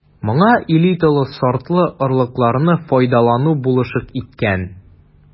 Моңа элиталы сортлы орлыкларны файдалану булышлык иткән.